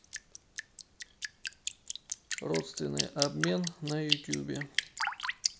родственный обмен на ютубе